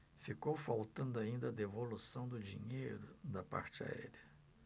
ficou faltando ainda a devolução do dinheiro da parte aérea